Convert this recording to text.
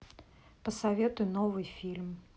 посоветуй новый фильм